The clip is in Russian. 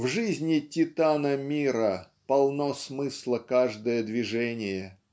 В жизни титана-мира полно смысла каждое движение.